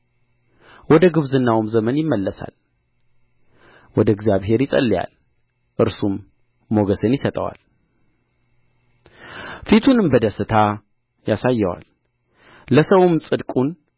ወደ ጕብዝናውም ዘመን ይመለሳል ወደ እግዚአብሔር ይጸልያል እርሱም ሞገስን ይሰጠዋል ፊቱንም በደስታ ያሳየዋል ለሰውም ጽድቁን